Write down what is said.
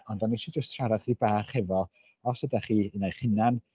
Ond o'n i jyst isio siarad dipyn bach efo, os ydych chi un ai eich hunan